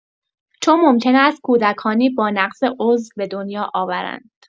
چون ممکن است کودکانی با نقض عضو به دنیا آورند.